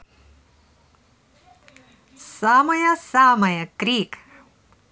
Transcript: самая самая крик